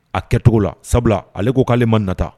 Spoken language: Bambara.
A kɛcogo la sabula ale ko k'ale ma nata